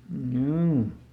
juu